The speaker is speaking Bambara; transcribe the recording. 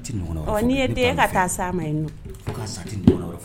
N' ma